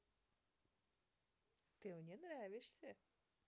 ты мне нравишься